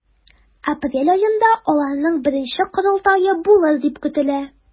Апрель аенда аларның беренче корылтае булыр дип көтелә.